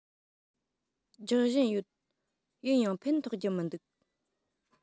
རྒྱག བཞིན ཡོད ཡིན ཡང ཕན ཐོགས ཀྱི མི འདུག